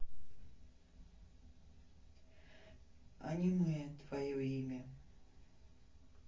аниме твое имя